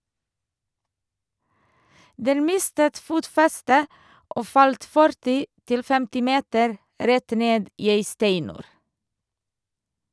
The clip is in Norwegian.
- Den mistet fotfestet og falt 40 -50 meter rett ned i ei steinur.